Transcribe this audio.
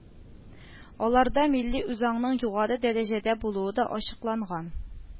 Аларда милли үзаңның югары дәрәҗәдә булуы да ачыкланган